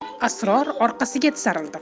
asror orqasiga tisarildi